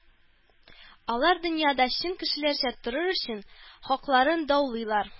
Алар дөньяда чын кешеләрчә торыр өчен хакларын даулыйлар